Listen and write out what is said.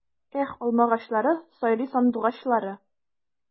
Эх, алмагачлары, сайрый сандугачлары!